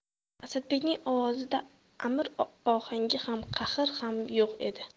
asadbekning ovozida amr ohangi ham qahr ham yo'q edi